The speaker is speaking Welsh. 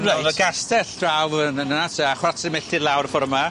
Reit. O'dd 'ny castell draw yn yna tua chwarter milltir lawr ffor yma.